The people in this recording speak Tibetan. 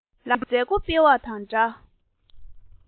བག སྟོན གྱི མཛད སྒོ སྤེལ བ དང འདྲ